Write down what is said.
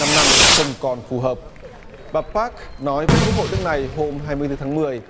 năm năm không còn phù hợp bà pác nói với quốc hội nước này hôm hai mươi tư tháng mười